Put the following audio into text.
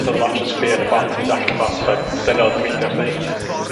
... A do' na'm ots os chi yn y fflat, neu tu allan i fflat, fel, dyna odd dy ffrindia chdi.